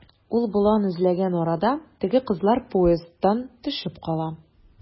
Ул болан эзләгән арада, теге кызлар поезддан төшеп кала.